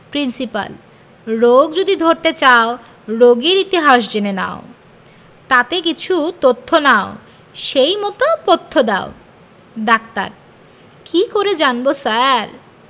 principal রোগ যদি ধরতে চাও রোগীর ইতিহাস জেনে নাও তাতে কিছু তথ্য নাও সেই মত পথ্য দাও ডাক্তার কি করে জানব স্যার